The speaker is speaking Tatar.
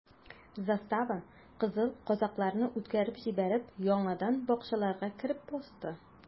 Застава, кызыл казакларны үткәреп җибәреп, яңадан бакчаларга кереп посты.